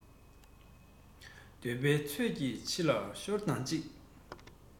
དེ ལ དེ ལས ཕུགས ཡུལ ལས འབྲས ཡང